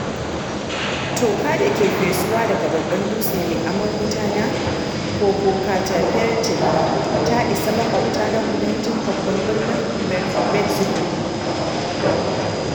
Toka da ke fesuwa daga babban dutse mai amon wuta na Popocatepetl ta isa makwaɓta na kudancin babban birnin Mexico.